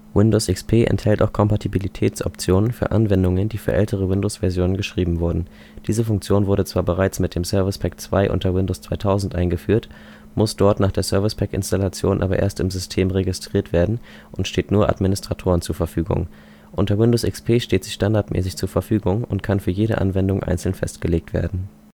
Windows XP enthält auch Kompatibilitätsoptionen für Anwendungen, die für ältere Windowsversionen geschrieben wurden. Diese Funktion wurde zwar bereits mit dem Service Pack 2 unter Windows 2000 eingeführt, muss dort nach der Service Pack-Installation aber erst im System registriert werden und steht nur Administratoren zur Verfügung. Unter Windows XP steht sie standardmäßig zur Verfügung und kann für jede Anwendung einzeln festgelegt werden